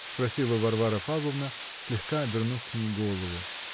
-- спросила Варвара Павловна, слегка обернув к ней голову.